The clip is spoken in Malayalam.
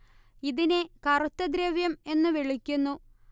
ഇതിനെ കറുത്ത ദ്രവ്യം എന്നു വിളിക്കുന്നു